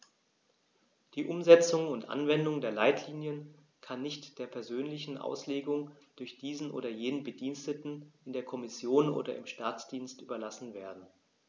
Die Umsetzung und Anwendung der Leitlinien kann nicht der persönlichen Auslegung durch diesen oder jenen Bediensteten in der Kommission oder im Staatsdienst überlassen werden.